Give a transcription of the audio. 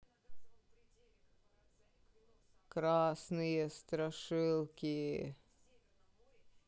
красные страшилки